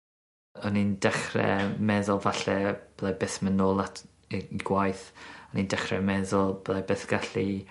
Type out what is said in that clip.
O'n i'n dechre meddwl falle byddai byth myn' nôl at yy i gwaith. O'n i'n dechre meddwl byddai byth gallu